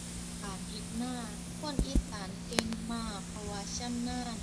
การเฮ็ดนา คนอีสานเก่งมาก เพราะว่าชำนาญ